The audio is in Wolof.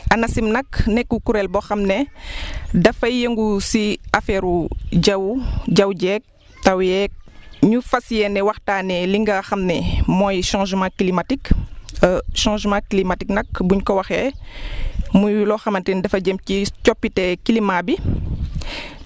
ANACIM nag nekk kuréel boo xam ne dafay yëngu si affaire jaww jaww jeeg taw yeeg ñu fas yéene waxtaanee li nga xam ne mooy changement climatique changement climatique nag bu ñu ko waxee muy loo xamante ni dafa jëm ci coppite climat bi